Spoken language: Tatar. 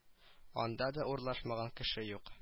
Анда да урлашмаган кеше юк